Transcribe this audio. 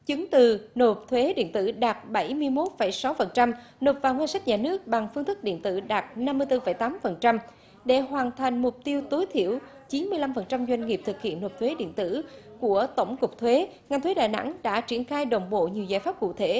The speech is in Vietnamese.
chứng từ nộp thuế điện tử đạt bảy mươi mốt phẩy sáu phần trăm nộp vào ngân sách nhà nước bằng phương thức điện tử đạt năm mươi tư phẩy tám phần trăm để hoàn thành mục tiêu tối thiểu chín mươi lăm phần trăm doanh nghiệp thực hiện nộp thuế điện tử của tổng cục thuế ngành thuế đà nẵng đã triển khai đồng bộ nhiều giải pháp cụ thể